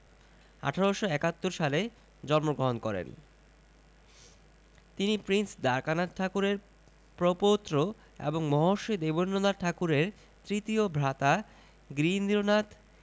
১৮৭১ সালে জন্মগ্রহণ করেন তিনি প্রিন্স দ্বারকানাথ ঠাকুরের প্রপৌত্র এবং মহর্ষি দেবেন্দ্রনাথ ঠাকুরের তৃতীয় ভ্রাতা গিরীন্দ্রনাথ